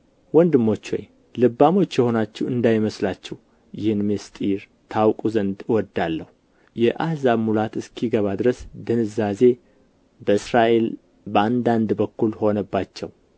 ወንድሞች ሆይ ልባሞች የሆናችሁ እንዳይመስላችሁ ይህን ምሥጢር ታውቁ ዘንድ እወዳለሁ የአሕዛብ ሙላት እስኪገባ ድረስ ድንዛዜ በእስራኤል በአንዳንድ በኩል ሆነባቸው